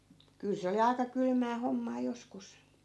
kyllä se oli aika kylmää hommaa joskus